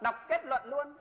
đọc kết luận luôn